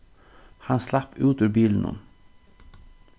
hann slapp út úr bilinum